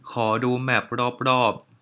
ขอดูแมพรอบรอบ